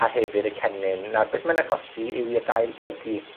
a hefyd y cennin. Nawr beth mae'n achosi yw i'r dail blygu,